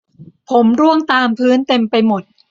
ผมร่วงตามพื้นเต็มไปหมด